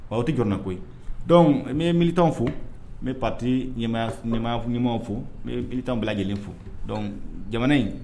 Bon o tɛ jɔna koyi dɔn n bɛ mi fo n bɛ pati ɲamaw fo bila lajɛlen fo dɔn jamana in